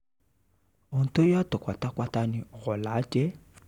Ohun to yàtọ̀ pátápátá ni ọ̀lá jẹ́.